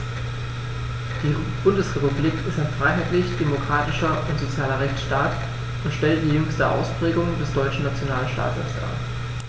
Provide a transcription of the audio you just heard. Die Bundesrepublik ist ein freiheitlich-demokratischer und sozialer Rechtsstaat und stellt die jüngste Ausprägung des deutschen Nationalstaates dar.